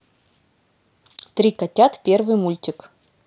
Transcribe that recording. три котят первый мультик